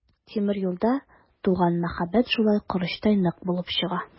Тимер юлда туган мәхәббәт шулай корычтай нык булып чыга.